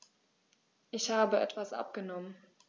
Ich habe etwas abgenommen.